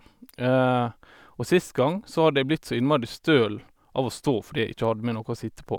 Og sist gang, så hadde jeg blitt så innmari støl av å stå fordi jeg ikke hadde med noe å sitte på.